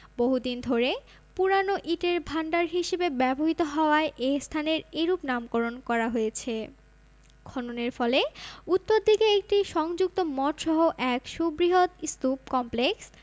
বহুদিন ধরে পুরানো ইটের ভাণ্ডার হিসেবে ব্যবহৃত হওয়ায় এ স্থানের এরূপ নামকরণ করা হয়েছে খননের ফলে উত্তর দিকে একটি সংযুক্ত মঠসহ এক সুবৃহৎ স্তূপ কমপ্লেক্স